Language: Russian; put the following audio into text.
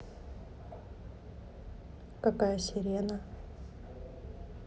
какая сирена